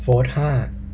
โฟธห้า